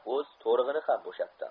o'z to'rig'ini ham bo'shatdi